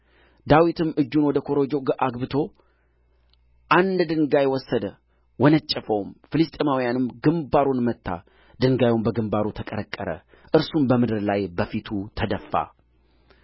ዳዊትም እጁን ወደ ኮረጆው አግብቶ አንድ ድንጋይ ወሰደ ወነጨፈውም ፍልስጥኤማዊውንም ግምባሩን መታ ድንጋዩም በግምባሩ ተቀረቀረ እርሱም በምድር ላይ በፊቱ ተደፋ